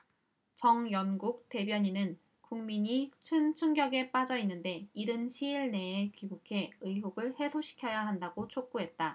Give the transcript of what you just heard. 정연국 대변인은 국민이 큰 충격에 빠져 있는데 이른 시일 내에 귀국해 의혹을 해소시켜야 한다고 촉구했다